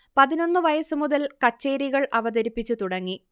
പതിനൊന്ന് വയസ്സു മുതൽ കച്ചേരികൾ അവതരിപ്പിച്ചു തുടങ്ങി